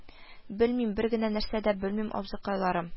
Белмим, бер генә нәрсә дә белмим, абзыкайларым